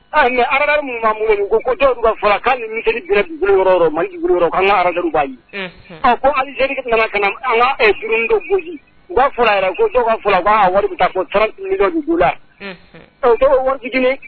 Mɛ adama ma mununu kojdu fara' ni mi ma jugu an ka arajba a ko alij nana ka na an ka u fɔra wari jugu la